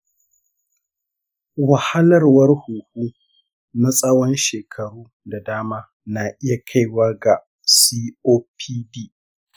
wahalarwar huhu na tsawon shekaru da dama na iya kaiwa ga copd.